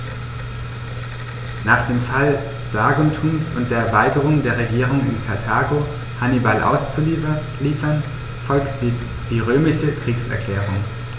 Nach dem Fall Saguntums und der Weigerung der Regierung in Karthago, Hannibal auszuliefern, folgte die römische Kriegserklärung.